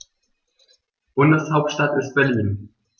Bundeshauptstadt ist Berlin.